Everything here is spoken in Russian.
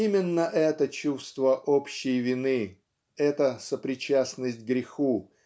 Именно это чувство общей вины эта сопричастность греху